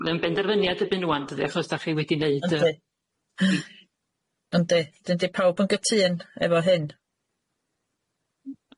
Ma'n benderfyniad ybyn ŵan dydi achos dach chi wedi neud yy... Yndi yndi dydi pawb yn gytun efo hyn.